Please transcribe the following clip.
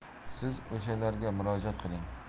siz o'shalarga murojaat qiling